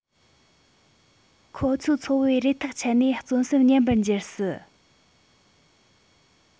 ཁོ ཚོའི འཚོ བའི རེ ཐག ཆད ནས བརྩོན སེམས ཉམས པར འགྱུར སྲིད